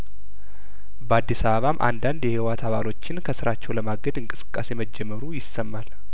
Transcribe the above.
በአዲስ አበባም አንዳንድ የህወሀት አባሎችን ከስራቸው ለማገድ እንቅስቃሴ መጀመሩ ይሰማል